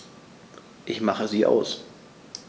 Ich mache sie aus.